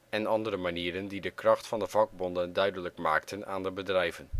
en andere manieren die de kracht van de vakbonden duidelijk maakten aan de bedrijven